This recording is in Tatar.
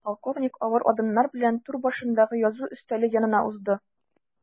Полковник авыр адымнар белән түр башындагы язу өстәле янына узды.